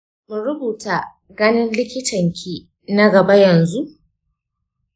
mu rubuta ganin likitanki na gaba yanzu?